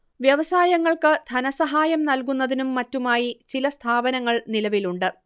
വ്യവസായങ്ങൾക്ക് ധനസഹായം നല്കുന്നതിനും മറ്റുമായി ചില സ്ഥാപനങ്ങൾ നിലവിലുണ്ട്